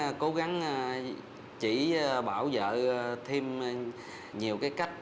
cố gắng chỉ bảo vợ thêm nhiều cái cách